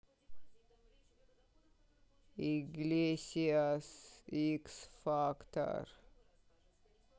иглесиас икс фактор